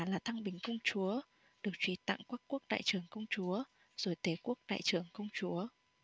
là thăng bình công chúa được truy tặng quắc quốc đại trưởng công chúa rồi tề quốc đại trưởng công chúa